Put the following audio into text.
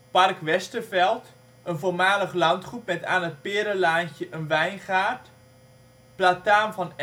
Park Westerveld, voormalig landgoed met aan het Perenlaantje een wijngaard Plataan van